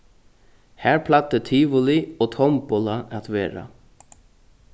har plagdi tivoli og tombola at vera